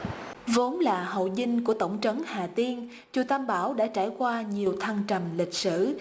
vốn là hậu dinh của tổng trấn hà tiên chùa tam bảo đã trải qua nhiều thăng trầm lịch sử